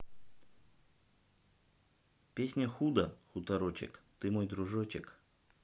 песня худо хуторочек ты мой дружочек